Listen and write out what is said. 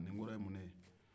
nin kɔrɔ ye mun de ye